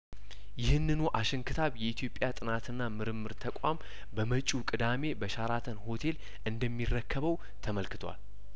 ይህንኑ አሸን ክታብ የኢትዮጵያ ጥናትናምርምር ተቋም በመጪው ቅዳሜ በሸራተን ሆቴል እንደሚረከበው ተመልክቷል